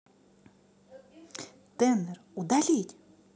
tanner удалить